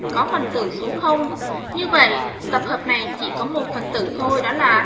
có phần tử xuống không như vậy tập hợp này chỉ có một phần tử thôi đó là